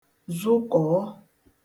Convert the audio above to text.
zụkọ̀ọ